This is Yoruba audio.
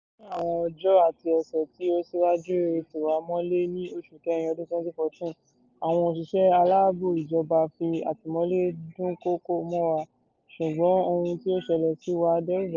Ní àwọn ọjọ́ àti ọ̀sẹ̀ tí ó síwájú ìtìwámọ́lé ní oṣù Kẹrin ọdún 2014, àwọn òṣìṣẹ́ aláàbò ìjọba fi àtìmọ́lé dúnkòokò mọ́ wa, ṣùgbọ́n ohun tí ó ṣẹlẹ̀ sí wa si dẹ́rùbà wá.